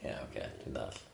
Ie ocê dwi'n dallt.